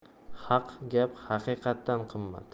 haq gap haqiqdan qimmat